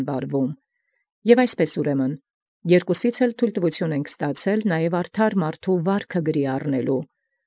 Վարին։ Եւ արդ առեալ յերկոցունց համարձակութիւն ի գիր արկանել և զվարս առն արդարոյ։